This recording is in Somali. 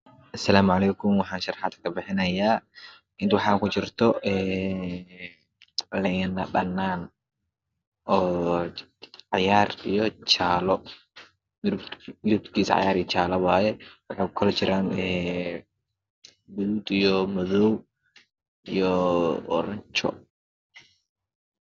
Asalaamu caleykum waxaan sharaxaad ka bixinayaa inta waxaa ku jirto een liin dhadhanaan oo cagaar iyo jaalo midibkisiisa cagaar iyo jaale waaye waxay ku kala jiraan een guduud iyo madow iyo oronjo